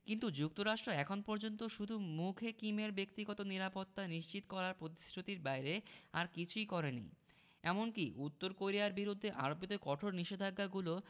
কিন্তু যুক্তরাষ্ট্র এখন পর্যন্ত শুধু মুখে কিমের ব্যক্তিগত নিরাপত্তা নিশ্চিত করার প্রতিশ্রুতির বাইরে আর কিছুই করেনি এমনকি উত্তর কোরিয়ার বিরুদ্ধে আরোপিত কঠোর নিষেধাজ্ঞাগুলো